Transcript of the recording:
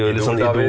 Idol-David.